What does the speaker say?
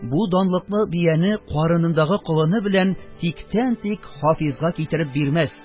Бу данлыклы бияне карынындагы колыны белән тиктән-тик хафизга китереп бирмәс,